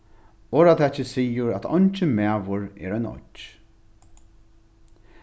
orðatakið sigur at eingin maður er ein oyggj